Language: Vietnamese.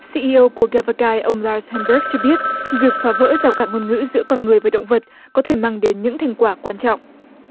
xi i ô của ke vơ cai ông la hen bớt cho biết việc phá vỡ rào cản ngôn ngữ giữa con người với động vật có thể mang đến những thành quả quan trọng